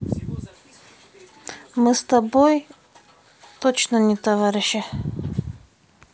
мы это с тобой точно не товарищи